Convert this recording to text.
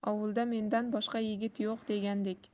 ovulda mendan boshqa yigit yo'q degandek